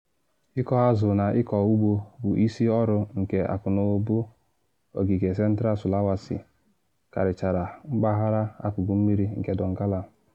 Ịkọ azụ na ịkọ ugbo bụ isi ọrụ nke akụnụba ogige Central Sulawesi, karịchara mpaghara akụkụ mmiri nke Donggala.